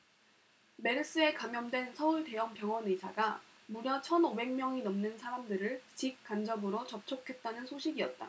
메르스에 감염된 서울 대형 병원 의사가 무려 천 오백 명이 넘는 사람들을 직 간접으로 접촉했다는 소식이었다